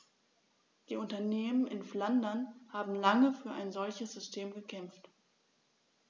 Die Unternehmen in Flandern haben lange für ein solches System gekämpft.